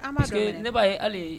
' ne' ye ye